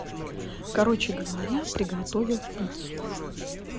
короче говоря приготовил пиццу